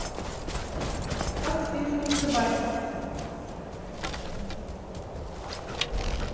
как списывают собаки